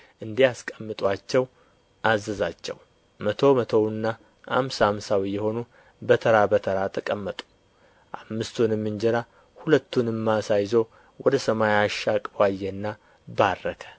እንዲያስቀምጡአቸው አዘዛቸው መቶ መቶውና አምሳ አምሳው እየሆኑ በተራ በተራ ተቀመጡ አምስቱንም እንጀራ ሁለቱንም ዓሣ ይዞ ወደ ሰማይ አሻቅቦ አየና ባረከ